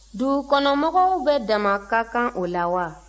dugukɔnɔmɔgɔw bɛɛ dama ka kan o la wa